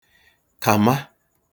kàma